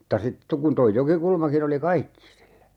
mutta sitten - kun tuo Jokikulmakin oli kaikki sillä